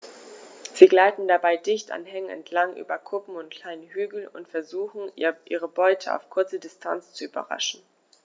Sie gleiten dabei dicht an Hängen entlang, über Kuppen und kleine Hügel und versuchen ihre Beute auf kurze Distanz zu überraschen.